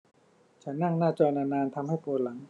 ฉันนั่งหน้าจอนานนานทำให้ปวดหลัง